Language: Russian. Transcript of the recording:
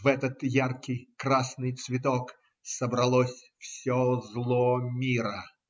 В этот яркий красный цветок собралось все зло мира.